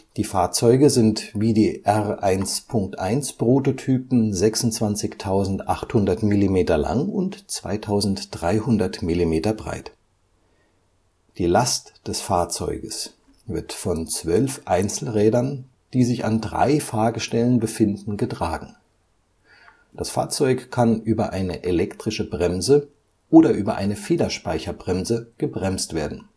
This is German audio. Die Fahrzeuge sind wie die R-1.1-Prototypen 26.800 Millimeter lang und 2.300 Millimeter breit. Die Last des Fahrzeugs wird von zwölf Einzelrädern, die sich an drei Fahrgestellen befinden, getragen. Das Fahrzeug kann über eine elektrische Bremse oder über eine Federspeicherbremse gebremst werden